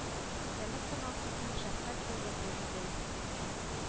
Янып торган күкнең шәфкать йолдызы иде.